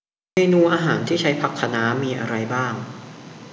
เมนูอาหารที่ใช้ผักคะน้ามีอะไรบ้าง